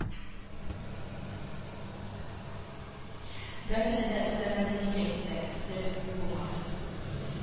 – бер нәрсә дә үзгәрмәде дип әйтсәк, дөрес үк булмас